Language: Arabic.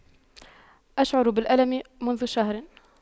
أشعر بالألم منذ شهر